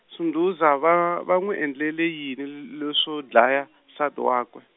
Sundhuza va va n'wi endlele yini lel- leswo dlaya nsati wakwe?